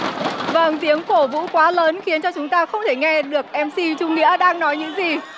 vâng tiếng cổ vũ quá lớn khiến cho chúng ta không thể nghe được em xi trung nghĩa đang nói những gì